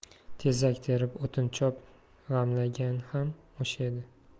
tezak terib o'tin cho'p g'amlagan ham o'sha edi